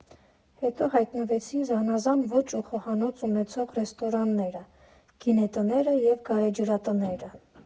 Հետո հայտնվեցին զանազան ոճ ու խոհանոց ունեցող ռեստորանները, գինետները և գարեջրատները։